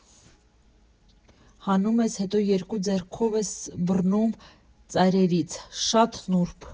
Հանում ես, հետո երկու ձեռքով ես բռնում՝ ծայրերից, շատ նուրբ։